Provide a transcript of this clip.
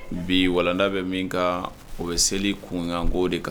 Bi walanda bɛ min ka o bɛ seli kunkanko o de kan